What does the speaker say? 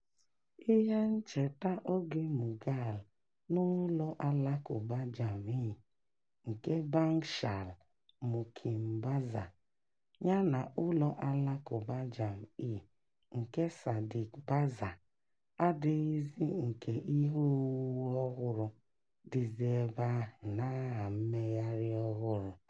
Ihe ncheta oge Mughal n'Ụlọ Alakụba Jam-e nke Bangshal Mukim Bazar yana Ụlọ Alakuba Jam-e nke Saddique Bazar adịghịzị nke ihe owuwu ọhụrụ dịzị ebe ahụ n'aha mmegharị ọhụrụ.